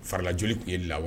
Farilajoli tun ye lawa